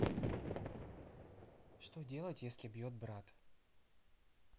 что делать если бьет брат